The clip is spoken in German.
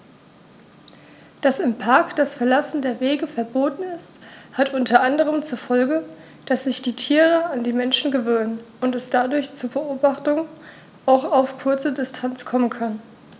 Dass im Park das Verlassen der Wege verboten ist, hat unter anderem zur Folge, dass sich die Tiere an die Menschen gewöhnen und es dadurch zu Beobachtungen auch auf kurze Distanz kommen kann.